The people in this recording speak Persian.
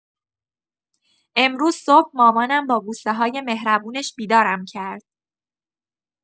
امروز صبح مامانم با بوسه‌های مهربونش بیدارم کرد.